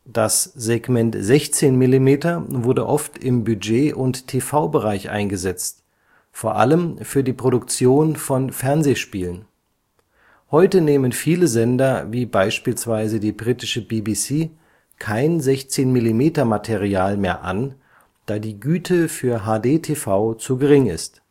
Das Segment 16 mm wurde oft im Budget - und TV-Bereich eingesetzt, vor allem für die Produktion von Fernsehspielen. Heute nehmen viele Sender, wie beispielsweise die britische BBC, kein 16-mm-Material mehr an, da die Güte für HDTV zu gering ist